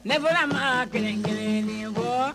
Nin tɛ fɔrla maa kelen kelennin kɔ!